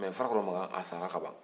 mai farakɔrɔ makan a sara ka ban